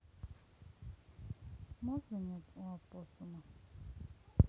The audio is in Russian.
мозга нет у оппосума